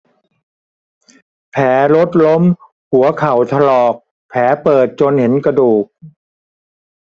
แผลรถล้มหัวเข่าถลอกแผลเปิดจนเห็นกระดูก